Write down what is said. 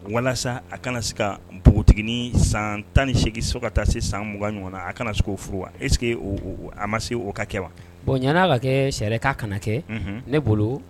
Walasa a kana se ka npogotigi ni san tan ni8gin so ka taa se san mugan ɲɔgɔn na a kana se o furu ese a ma se o ka kɛ wa bon ɲ ka kɛ sariyaɛrɛ' kana kɛ ne bolo